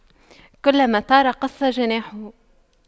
كلما طار قص جناحه